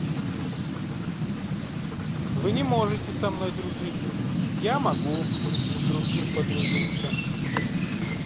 вы не можете со мной дружить я могу с другим подружиться